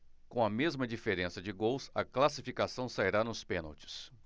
com a mesma diferença de gols a classificação sairá nos pênaltis